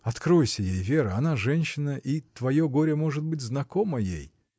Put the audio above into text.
Откройся ей, Вера; она женщина, и твое горе, может быть, знакомо ей.